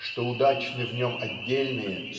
что удачны в нем отдельные